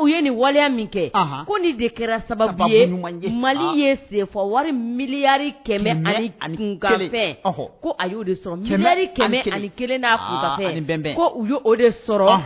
u ye nin waleya min kɛ ko de kɛra saba mali ye sen fɔ wari miliyari kɛmɛkanri kelen u de sɔrɔ